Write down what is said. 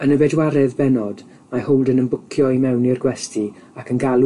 Yn y bedwaredd bennod, mae Holden yn bwcio i mewn i'r gwesty ac yn galw